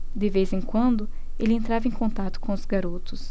de vez em quando ele entrava em contato com os garotos